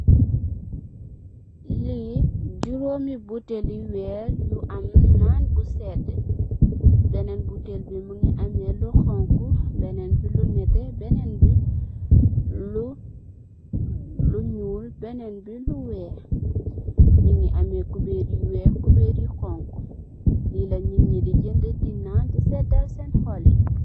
Li juróomi buteel yu wèrr yu am nan bu sèdd, benen buteel bi mungi ameh lu honku, benen bi lu nètè, benen bi lu ñuul, benen bi lu weeh. Nungi ameh cubèr yu weeh, cubèr yu honku. Li la nit yi di jën du di nan sèdal senn hool yi.